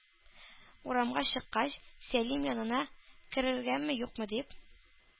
Урамга чыккач, Сәлим янына керергәме-юкмы дип,